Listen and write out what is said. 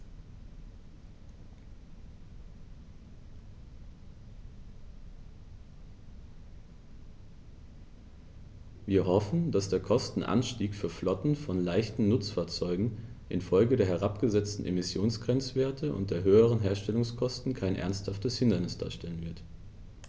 Wir hoffen, dass der Kostenanstieg für Flotten von leichten Nutzfahrzeugen in Folge der herabgesetzten Emissionsgrenzwerte und der höheren Herstellungskosten kein ernsthaftes Hindernis darstellen wird.